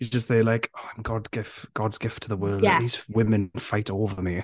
He's just there like "Oh I'm God gift- God's gift to the world... yeah ...and these women fight over me.